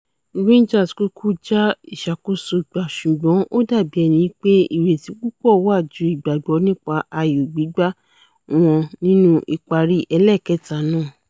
Rangers kúkú já ìṣàkóso gbà ṣùgbọ́n ó dàbí ẹnipé ìrètí púpọ̀ wà ju ìgbàgbọ́ nípa ayò gbígbá wọn nínú ìparí ẹlẹ́ẹ̀kẹta náà.